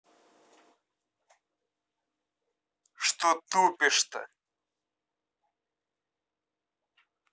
что тупишь то